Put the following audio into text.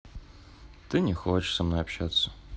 ты не хочешь со мной общаться